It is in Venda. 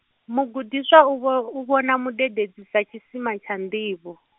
mugudiswa u vho-, u vhona mudededzi sa tshisima tsha nḓivho.